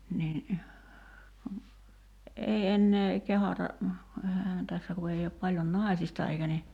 niin kun ei enää kehdata eihän tässä kun ei ole paljon naisista eikä niin